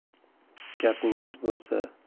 gapingiz bo'lsa